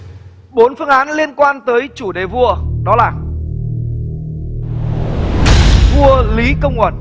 bốn phương án liên quan đến chủ đề vua đó là vua lý công uẩn